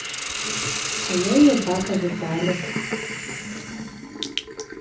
а я ее папа виталик